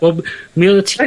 Wel m- mi oeddet ti...